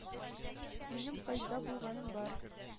— минем хаҗда булганым бар.